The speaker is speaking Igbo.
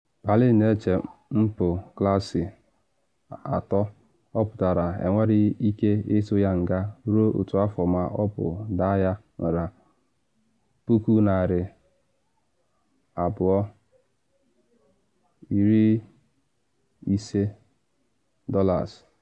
Palin na eche mpụ Klaasị A ato, ọ pụtara enwere ike ịtụ ya nga ruo otu afọ ma ọ bụ daa ya nra $250,000.